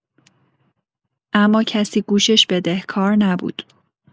اما کسی گوشش بدهکار نبود.